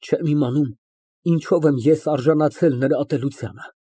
Չեմ իմացել ինչո՞վ եմ ես արժանացել նրա ատելությանը։